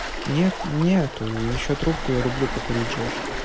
нету еще трубку я люблю покурить жеж